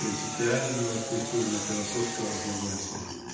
принципиального культурно-философского разногласия.